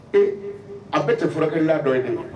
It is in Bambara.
Ee a bɛ tɛ furakɛkilila dɔ ye kɔnɔ?